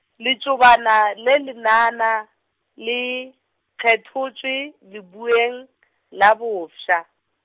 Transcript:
letšobana le lenana, le, kgothotše, leubeng , la bofsa.